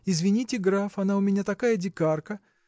Извините, граф, она у меня такая дикарка.